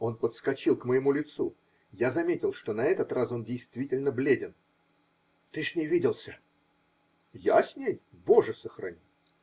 Он подскочил к моему лицу; я заметил, что на этот раз он действительно бледен. -- Ты с ней виделся? -- Я с ней? Боже сохрани!